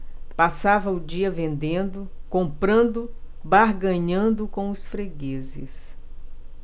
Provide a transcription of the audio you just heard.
passava o dia vendendo comprando barganhando com os fregueses